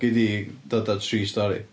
Gei di dod â tri stori.